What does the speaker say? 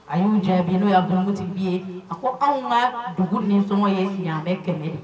A y'u jɛ bin n'o ye dununtigibi ye a ko anw ka dugu nisɔngɔ ye si an bɛɛ kɛlɛ